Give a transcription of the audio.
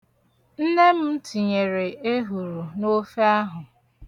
Nne m tinyere ehuru n'ofe ahụ.